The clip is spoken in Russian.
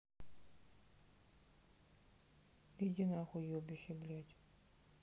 иди нахуй уебище блять